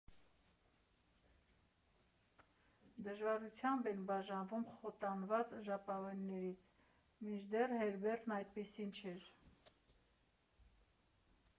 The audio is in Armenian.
Դժվարությամբ են բաժանվում խոտանված ժապավեններից, մինչդեռ Հերբերտն այդպիսին չէր։